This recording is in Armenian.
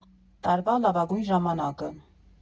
Տարվա լավագույն ժամանակը։